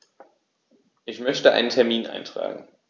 Ich möchte einen Termin eintragen.